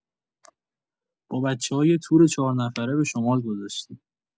با بچه‌ها یه تور چهارنفره به شمال گذاشتیم.